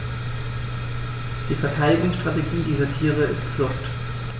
Die Verteidigungsstrategie dieser Tiere ist Flucht.